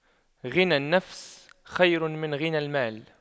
غنى النفس خير من غنى المال